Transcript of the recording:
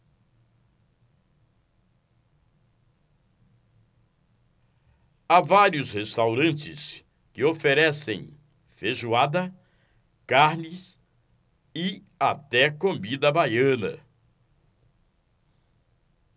há vários restaurantes que oferecem feijoada carnes e até comida baiana